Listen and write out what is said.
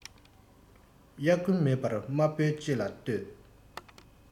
དབྱར དགུན མེད པར དམར པོའི ལྕེ ལ ལྟོས